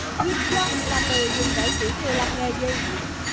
diêm dân là từ dùng để chỉ người làm nghề gì